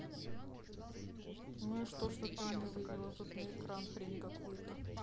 ну и что ты мне вывела тут на экран хрень какую то